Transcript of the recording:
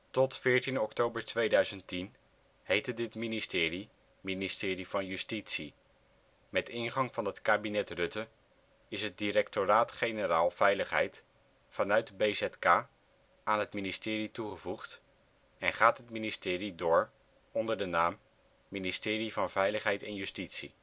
Tot 14 oktober 2010 heette dit ministerie " Ministerie van Justitie ", met ingang van het Kabinet-Rutte is het Directoraat-Generaal Veiligheid vanuit BZK aan het ministerie toegevoegd en gaat het ministerie door onder de naam " Ministerie van Veiligheid en Justitie